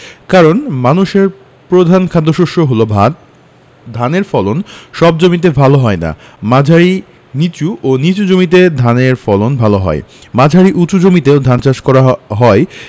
কারন মানুষের প্রধান খাদ্যশস্য হলো ভাত ধানের ফলন সব জমিতে ভালো হয় না মাঝারি নিচু ও নিচু জমিতে ধানের ফলন ভালো হয় মাঝারি উচু জমিতেও ধান চাষ করা হয়